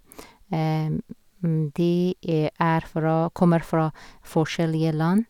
De er fra kommer fra forskjellige land.